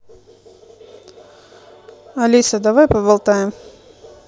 алиса давай поболтаем